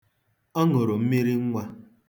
Ọ ṅụrụ mmiri nnwa.